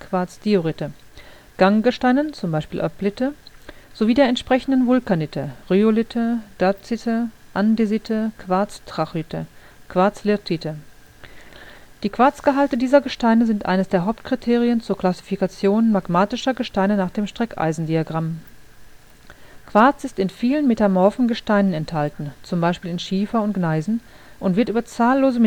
Quarz-Diorite), Gangesteinen (z. B. Aplite) sowie der entsprechenden Vulkanite (Rhyolithe, Dacite, Andesite, Quarz-Trachyte, Quarz-Latite). Die Quarzgehalte dieser Gesteine sind eines der Hauptkriterien zur Klassifikation magmatischer Gesteine nach dem Streckeisendiagramm. Quarz ist in vielen metamorphen Gesteinen enthalten (z. B. in Schiefer und Gneisen) und wird über zahllose